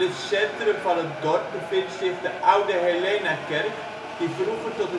centrum van het dorp bevindt zich de Oude Helenakerk, die vroeger tot